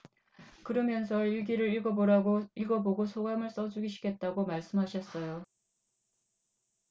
그러면서 일기를 읽어 보고 소감을 써 주시겠다고 말씀하셨어요